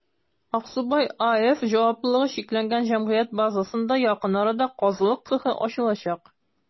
«аксубай» аф» җчҗ базасында якын арада казылык цехы ачылачак.